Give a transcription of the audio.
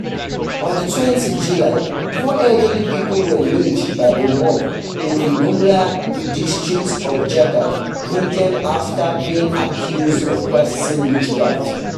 On 20 July, four elderly people were lynched by a mob in the Gumla District of Jharkhand, India after being accused of practicing witchcraft.